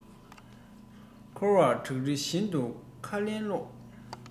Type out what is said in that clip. འཛམ གླིང མེ ལོང ཕར བལྟ ཚུར བལྟ རེད